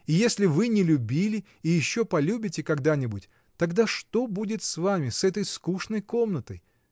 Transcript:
И если вы не любили и еще полюбите когда-нибудь, тогда что будет с вами, с этой скучной комнатой?